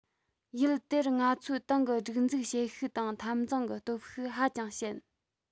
ཡུལ དེར ང ཚོའི ཏང གི སྒྲིག འཛུགས བྱེད ཤུགས དང འཐབ འཛིང གི སྟོབས ཤུགས ཧ ཅང ཞན